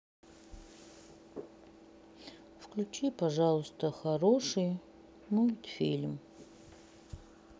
включи пожалуйста хороший мультик